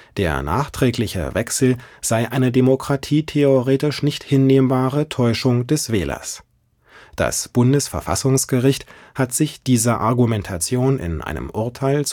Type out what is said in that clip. Der nachträgliche Wechsel sei eine demokratietheoretisch nicht hinnehmbare Täuschung des Wählers. Das Bundesverfassungsgericht hat sich dieser Argumentation in einem Urteil